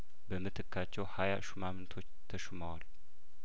በምት ካቸው ሀያሹማምንቶች ተሹመዋል